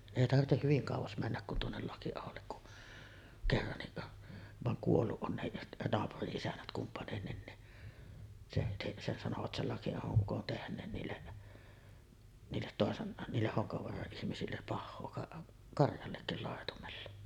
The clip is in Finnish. ei tarvitse hyvin kauas mennä kuin tuonne Lakiaholle kun kerrankin vaan kuollut on nekin naapurin isännät kumpainenkin niin se se se sanoivat sen Lakiahon ukon tehneen niille niille toisen niille Honkavaaran ihmisille pahaa - karjallekin laitumella